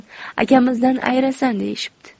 akamizdan ayirasan deyishibdi